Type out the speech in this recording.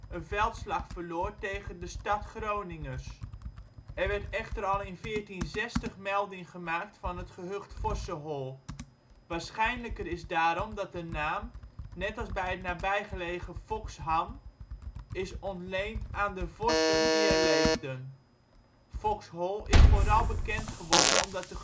een veldslag verloor tegen de stad-Groningers. Er werd echter al in 1460 melding gemaakt van het gehucht " Vossehol ". Waarschijnlijker is daarom dat de naam, net als bij het nabijgelegen Foxham, is ontleend aan de vossen die er leefden. Foxhol is vooral bekend geworden omdat de